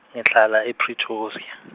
ngihlala e- Pretoria.